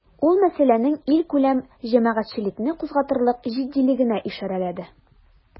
Ул мәсьәләнең илкүләм җәмәгатьчелекне кузгатырлык җитдилегенә ишарәләде.